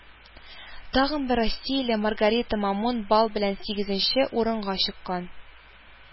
Тагын бер россияле Маргарита Мамун балл белән сигезенче урынга чыккан